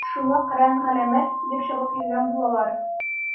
Шуны кыран-галәмәт килеп чабып йөргән булалар.